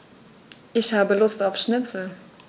Ich habe Lust auf Schnitzel.